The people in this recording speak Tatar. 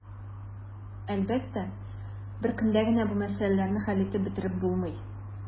Әлбәттә, бер көндә генә бу мәсьәләләрне хәл итеп бетереп булмый.